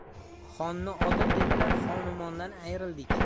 xonni odil dedilar xonumondan ayrildik